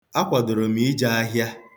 Akwadoro m ije ahịa.